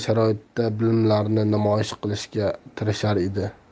sharoitda bilimlarini namoyish qilishga tirishar edi